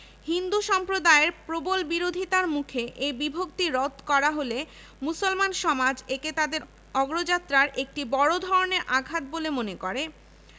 হিন্দু সম্প্রদায়ের প্রবল বিরোধিতার মুখে এ বিভক্তি রদ করা হলে মুসলমান সমাজ একে তাদের অগ্রযাত্রার একটি বড় ধরনের আঘাত বলে মনে করে